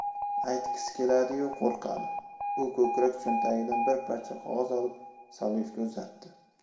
aytgisi keladi yu qo'rqadi u ko'krak cho'ntagidan bir parcha qog'oz olib solievga uzatdi